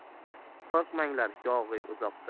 qo'rqmanglar yog'iy uzoqda